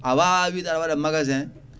a wawa wide aɗa waɗa magasin